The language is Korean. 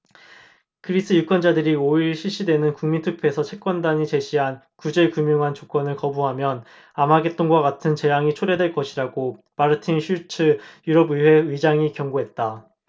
그리스 유권자들이 오 일 실시되는 국민투표에서 채권단이 제시한 구제금융안 조건을 거부하면 아마겟돈과 같은 재앙이 초래될 것이라고 마르틴 슐츠 유럽의회 의장이 경고했다